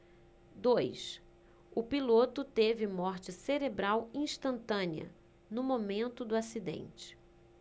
dois o piloto teve morte cerebral instantânea no momento do acidente